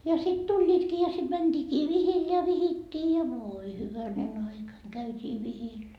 ja sitten tulivatkin ja sitten mentiinkin vihille ja vihittiin ja voi hyvänen aika käytiin vihillä